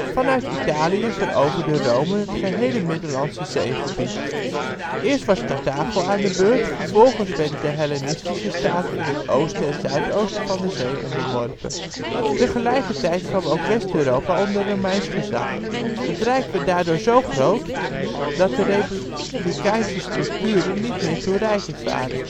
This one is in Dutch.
Vanuit Italië veroverde Rome het gehele Middellandse-Zeegebied. Eerst was Carthago aan de beurt. Vervolgens werden de hellenistische staten in het oosten en zuid-oosten van de zee onderworpen. Tegelijkertijd kwam ook West-Europa onder Romeins gezag. Het rijk werd daardoor zo groot dat de republikeinse structuren niet meer toereikend waren